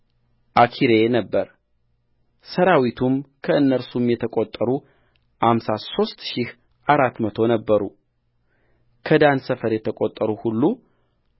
አኪሬ ነበረሠራዊቱም ከእነርሱም የተቈጠሩ አምሳ ሦስት ሺህ አራት መቶ ነበሩከዳን ሰፈር የተቈጠሩ ሁሉ